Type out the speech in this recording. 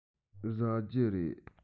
ཟ རྒྱུ རེད